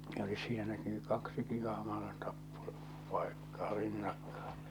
olisi sielläkin nyt kaksikin ahman - tappopaikkaa rinnakkain